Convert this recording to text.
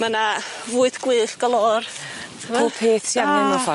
Ma' 'na fywyd gwyllt galore. Ch'mo'? Pob peth sy angen mewn ffor...